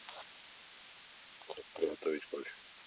как приготовить кофе